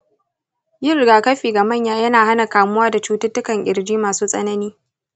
yin rigakafi ga manya na hana kamuwa da cututtukan kirji masu tsanani.